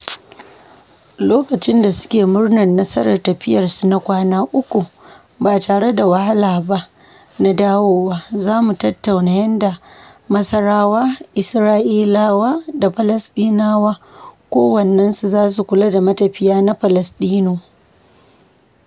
Lokacin da suke murnar nasarar tafiyarsu ta kwana uku ba tare da wahala ba na dawowa, za mu tattauna yadda Masarawa, Isra’ilawa da Falasɗinawa kowanne su zasu kula da matafiya na Falasɗinu.